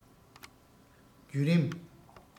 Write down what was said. བརྒྱུད རིམ